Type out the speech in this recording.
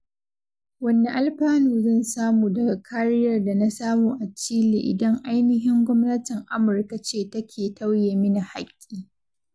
Wanne alfanu zan samu daga kariyar da na samu a Chile idan anihin Gwamnatin Amurka ce take tauye mini haƙƙi?